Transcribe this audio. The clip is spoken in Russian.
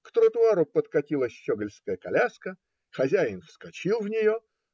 К тротуару подкатила щегольская коляска; хозяин вскочил в нее.